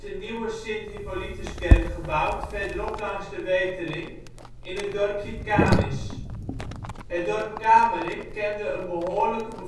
nieuwe Sint-Hippolytuskerk gebouwd verderop langs de Wetering, in het dorpje Kanis. Het dorp Kamerik kende een behoorlijke